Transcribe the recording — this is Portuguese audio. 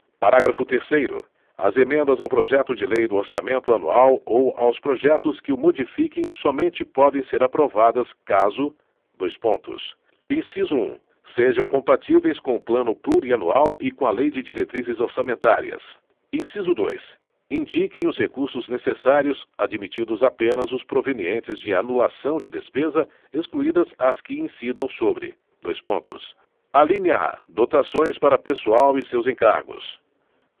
parágrafo terceiro as emendas ao projeto de lei do orçamento anual ou aos projetos que o modifiquem somente podem ser aprovadas caso dois pontos inciso um sejam compatíveis com o plano plurianual e com a lei de diretrizes orçamentárias inciso dois indiquem os recursos necessários admitidos apenas os provenientes de anulação de despesa excluídas as que incidam sobre dois pontos alínea a dotações para pessoal e seus encargos